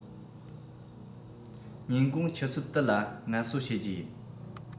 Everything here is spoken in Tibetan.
ཉིན གུང ཆུ ཚོད དུ ལ ངལ གསོ བྱེད རྒྱུ ཡིན